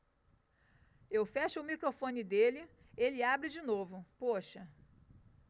eu fecho o microfone dele ele abre de novo poxa